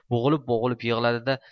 bo'g'ilib bo'g'ilib yig'ladida